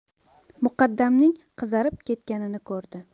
muqaddamning qizarib ketganini ko'rdi